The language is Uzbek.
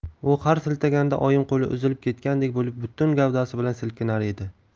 u har siltaganda oyim qo'li uzilib ketgudek bo'lib butun gavdasi bilan silkinar edi